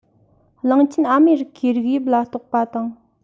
གླིང ཆེན ཨ མེ རི ཁའི རིགས དབྱིབས ལ གཏོགས པ དང